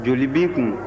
joli b'i kun